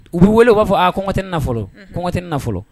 U bɛ wele b'a fɔ a kɔngɔ tɛ nafolo kɔngɔ tɛ nafolo